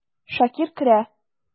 Шакир керә.